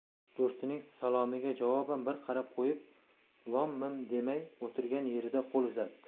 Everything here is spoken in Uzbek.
do'stining salomiga javoban bir qarab qo'yib lom mim demay o'tirgan yerida qo'l uzatdi